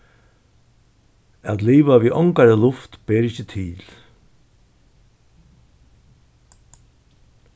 at liva við ongari luft ber ikki til